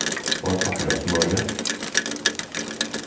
tveir pakkar av smøri